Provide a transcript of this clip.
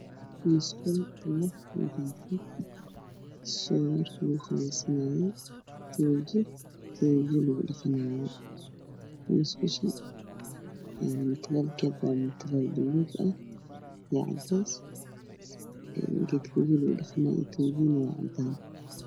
Waa musqul leh daaqad, shaawarka lugu qubaysanaayey, tuuji iyo waji dhaq musqusha mutuleelkeeda waa gaduud iyo cadeys, kan wajiga lugu dhaqdo waa cadaan.